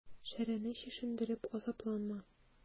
Шәрәне чишендереп азапланма.